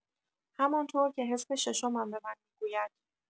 همان‌طور که حس ششمم به من می‌گوید